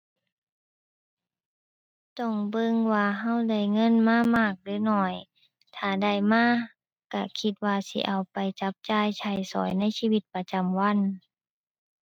ต้องเบิ่งว่าเราได้เงินมามากหรือน้อย ถ้าได้มาเราคิดว่าสิเอาไปจับจ่ายใช้สอยในชีวิตประจำวัน